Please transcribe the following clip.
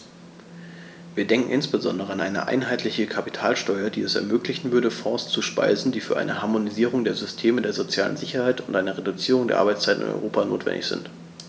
Wir denken insbesondere an eine einheitliche Kapitalsteuer, die es ermöglichen würde, Fonds zu speisen, die für eine Harmonisierung der Systeme der sozialen Sicherheit und eine Reduzierung der Arbeitszeit in Europa notwendig sind.